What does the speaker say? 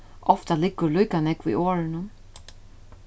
ofta liggur líka nógv í orðunum